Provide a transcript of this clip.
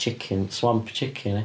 chicken, swamp chicken, ia?